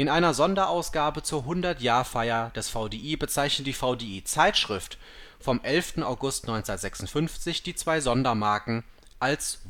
einer Sonderausgabe zur Hundertjahrfeier des VDI bezeichnet die VDI-Zeitschrift vom 11. August 1956 die zwei Sonderbriefmarken als wohlgelungen